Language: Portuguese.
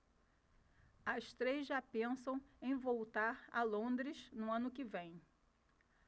as três já pensam em voltar a londres no ano que vem